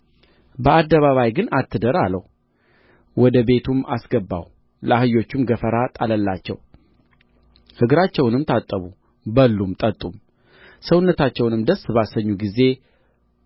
በአደባባይ ግን አትደር አለው ወደ ቤቱም አስገባው ለአህዮቹም ገፈራ ጣለላቸው እግራቸውንም ታጠቡ በሉም ጠጡም ሰውነታቸውንም ደስ ባሰኙ ጊዜ